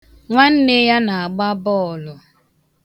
Nwanne ya na-agba bọọlu.